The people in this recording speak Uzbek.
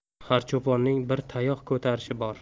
har cho'ponning bir tayoq ko'tarishi bor